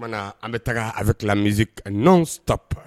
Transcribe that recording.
O an bɛ taa a bɛ tila mi n' tap